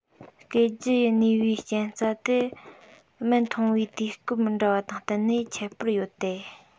སྐུལ རྒྱུ ཡི ནུས པའི རྐྱེན རྩ དེ སྨན འཐུང བའི དུས སྐབས མི འདྲ བ དང བསྟུན ནས ཁྱད པར ཡོད དེ